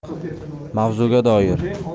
mavzuga doir